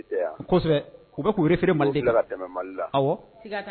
, kosɛbɛ, u bɛ k'u référer Mali de kan, u bɛ tila ka tɛmɛ Mali la, awɔ, siga t'a